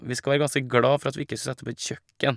Vi skal være ganske glad for at vi ikke skulle sette opp et kjøkken.